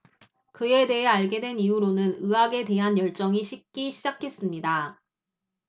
그에 대해 알게 된 이후로는 의학에 대한 열정이 식기 시작했습니다